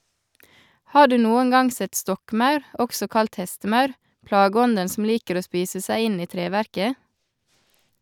Har du noen gang sett stokkmaur, også kalt hestemaur, plageånden som liker å spise seg inn i treverket?